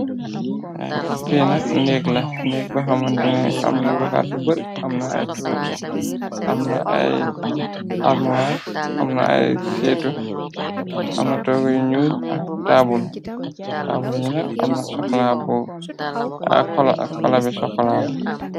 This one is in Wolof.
Fi nak negg la negg baxamonte ne amna bagaas yu bari amna ay toogu amna ay armuwaar amna ay seetu amna tooguyu nyuul ak taabul yi nag xolabi sokkolala.